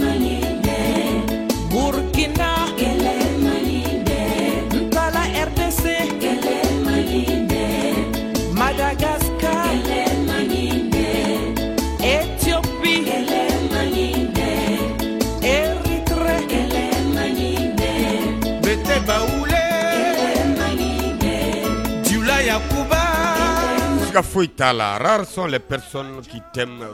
ma k kuruiginma e bɛ se mag ma ka kɛ e cɛ bɛ kɛ e bɛ ne tɛ wele ma kɛ j yakumaba ka foyitaa larason lere tɛmɛ